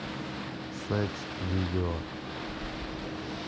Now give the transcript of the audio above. секс видео